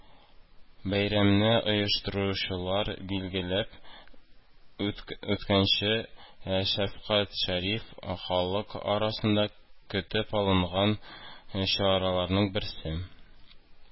Бәйрәмне оештыручылар билгеләп үткәнчә, “Шәфкать Шәриф” – халык арасында көтеп алынган чараларның берсе